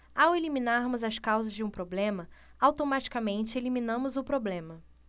ao eliminarmos as causas de um problema automaticamente eliminamos o problema